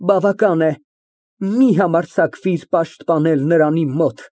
Բավական է, մի համարձակվիր պաշտպանել նրան իմ մոտ։